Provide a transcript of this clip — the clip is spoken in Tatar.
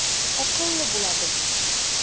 Акыллы була бел.